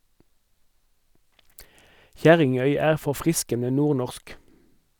Kjerringøy er forfriskende nordnorsk!